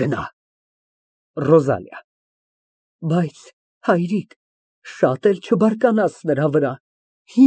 ՌՈԶԱԼԻԱ ֊ Բայց, հայրիկ, շատ էլ չբարկանաս նրա վրա։